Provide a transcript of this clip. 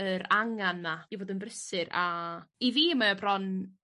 yr angan 'na i fod yn brysur a i fi mae o bron